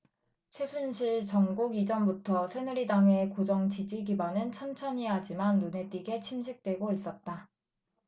최순실 정국 이전부터 새누리당의 고정 지지 기반은 천천히 하지만 눈에 띄게 침식되고 있었다